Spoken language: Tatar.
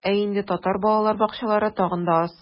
Ә инде татар балалар бакчалары тагын да аз.